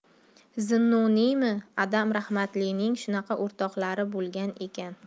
zunnuniymi adam rahmatlining shunaqa o'rtoqlari bo'lgan ekan